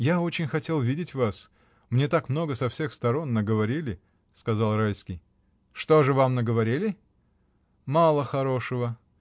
— Я очень хотел видеть вас: мне так много со всех сторон наговорили. — сказал Райский. — Что же вам наговорили? — Мало хорошего.